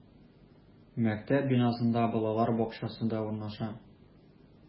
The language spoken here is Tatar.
Мәктәп бинасында балалар бакчасы да урнаша.